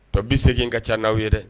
Ɔ bɛ segin ka ca n'aw yɛrɛ dɛ